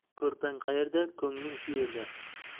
ko'rpang qayerda ko'ngling shu yerda